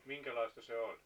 minkälaista se oli